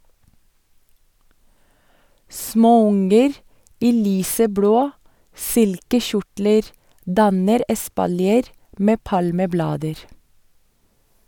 Småunger i lyseblå silkekjortler danner espalier med palmeblader.